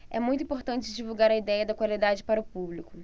é muito importante divulgar a idéia da qualidade para o público